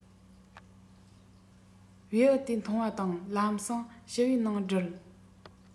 བེའུ དེ མཐོང བ དང ལམ སེང ཕྱུ པའི ནང སྒྲིལ